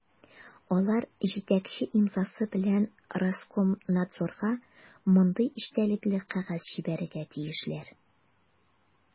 Алар җитәкче имзасы белән Роскомнадзорга мондый эчтәлекле кәгазь җибәрергә тиешләр: